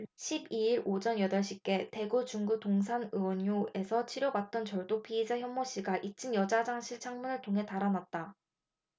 십 이 일 오전 여덟 시께 대구 중구 동산의료원에서 치료받던 절도 피의자 현모씨가 이 층 여자 화장실 창문을 통해 달아났다